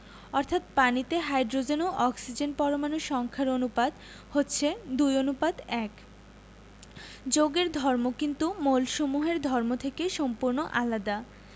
অর্থাৎ পানিতে হাইড্রোজেন ও অক্সিজেনের পরমাণুর সংখ্যার অনুপাত হচ্ছে ২ অনুপাত ১যৌগের ধর্ম কিন্তু মৌলসমূহের ধর্ম থেকে সম্পূর্ণ আলাদা